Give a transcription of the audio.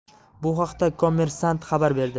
bu haqda kommersant xabar berdi